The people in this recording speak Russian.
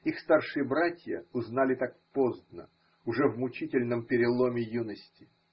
их старшие братья, узнали так поздно, уже в мучительном переломе юности.